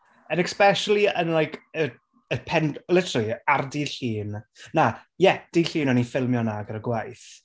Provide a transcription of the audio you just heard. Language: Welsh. And expecially yn like y y pen- literally ar dydd Llun. Na, ie, dydd Llun. O'n ni'n ffilmio 'na gyda gwaith.